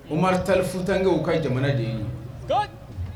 O futakɛ u ka ye jamana de ye